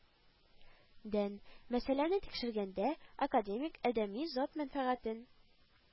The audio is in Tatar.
Дән, мәсьәләне тикшергәндә, академик адәми зат мәнфәгатен